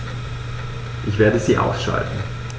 Ich werde sie ausschalten